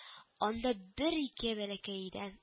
Анда бер-ике бәләкәй өйдән